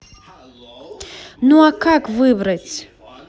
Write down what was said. ну а как выбрать